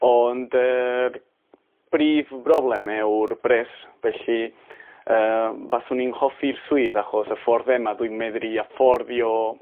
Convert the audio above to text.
Ond yr brif broblem yw'r bres felly yy faswn i'n hoffi'r swydd achos y ffordd ema dwi'n meddru afforddio